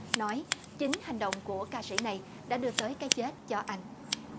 nói chính hành động của ca sĩ này đã được tới cái chết cho anh